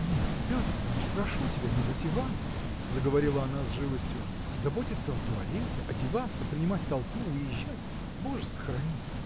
– Нет, Петр Иваныч, прошу тебя, не затевай! – заговорила она с живостью – заботиться о туалете одеваться принимать толпу выезжать – боже сохрани!